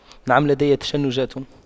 نعم لدي تشنجات